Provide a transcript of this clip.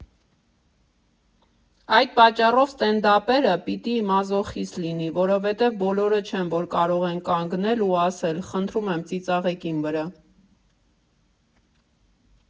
Այդ պատճառով ստենդափերը պիտի մազոխիստտ լինի, որովհետև բոլորը չեն, որ կարող են կանգնել ու ասել՝ խնդրում եմ ծիծաղեք իմ վրա։